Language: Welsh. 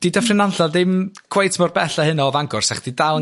'di Dyffryn Nantlle ddim cweit mor bell a hyn o Fangor 'sa chdi dal yn